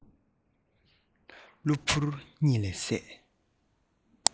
གླུ བུར གཉིད ལས སད